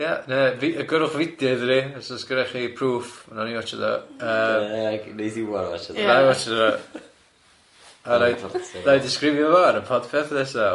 Ie ne- fi- gyrrwch fideo iddi ni os o's gyrrach chi proof wnawn ni watsiad o yy Ie g- wnaeth Iwan watsiad o. Ie wnaeth i watsiad o. A nai ddisgrifio fo ar y podcast nesa.